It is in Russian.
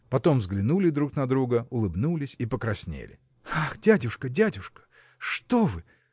Потом взглянули друг на друга, улыбнулись и покраснели. – Ах, дядюшка, дядюшка, что вы!.